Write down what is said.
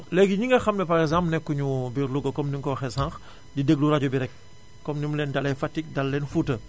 léegi ñi nga xam ne par exemple nekkuñu biir Louga comme ni nga ko waxee sànq di déglu rajo bi rekk comme ni mu leen dalee Fatick dal leen Fouta